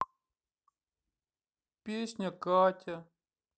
песня катя